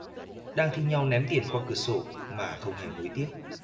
đang thi nhau ném tiền qua cửa sổ mà không hề nuối tiếc